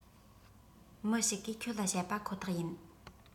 མི ཞིག གིས ཁྱོད ལ བཤད པ ཁོ ཐག ཡིན